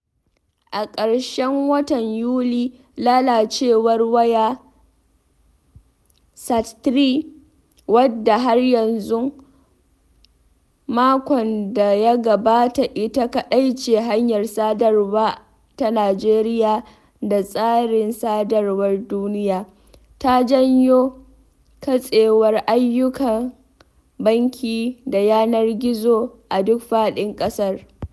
A ƙarshen watan Yuli, lalacewar wayar SAT-3 — wadda har zuwa makon da ya gabata ita kaɗai ce hanyar sadarwa ta Najeriya da tsarin sadarwar duniya — ta janyo katsewar ayyukan banki da yanar gizo a duk faɗin ƙasar.